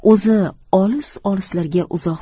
o'zi olis olislarga uzoq